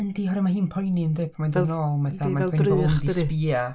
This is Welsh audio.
Yndi, oherwydd mae hi'n poeni yndi, pan mae hi'n dod yn ôl mae hi fatha mae'n poeni pobl mynd i sbio